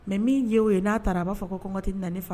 Mais min ye o ye n'a taara, a b'a fɔ kɔnkɔ tɛ ne la, ne fa la.